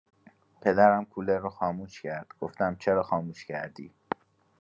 پدرم کولر رو خاموش کرد گفتم چرا خاموش کردی؟